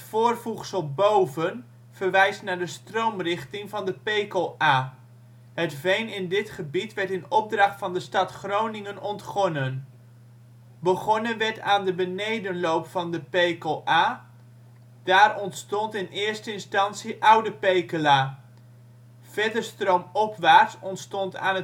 voorvoegsel Boven verwijst naar de stroomrichting van de Pekel-Aa. Het veen in dit gebied werd in opdracht van de stad Groningen ontgonnen. Begonnen werd aan de benedenloop van de Pekel-Aa. Daar ontstond in eerste instantie Oude Pekela. Verder stroomopwaarts ontstond aan